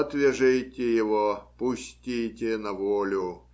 Отвяжите его, пустите на волю.